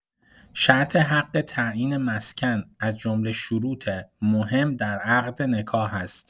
شرط حق تعیین مسکن، از جمله شروط مهم در عقد نکاح است.